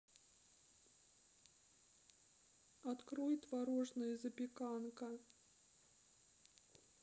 открой творожная запеканка